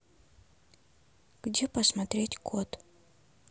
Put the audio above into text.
где посмотреть код